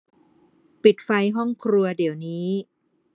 ปิดไฟห้องครัวเดี๋ยวนี้